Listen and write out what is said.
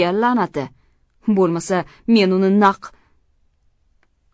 la'nati bo'lmasa men uni naq